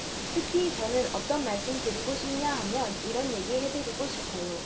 특히 저는 어떤 말씀 드리고 싶냐하면 이런 얘기 해드리고 싶어요